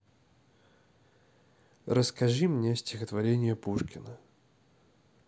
расскажи мне стихотворение пушкина